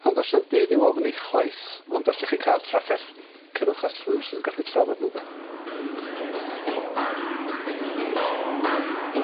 Ond do's na'm byd i fod fynny chwaith ond os 'dych chi'n ca'l trafferth cerwch at rhywun sy'n gallu trafod nw ynde?